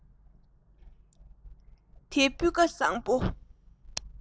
དེ སྤུས ཀ བཟང བོ